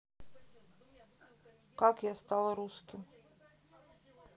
как я стал русским